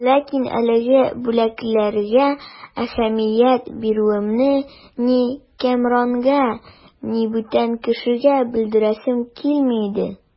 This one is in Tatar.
Ләкин әлеге бүләкләргә әһәмият бирүемне ни Кәмранга, ни бүтән кешегә белдерәсем килми иде.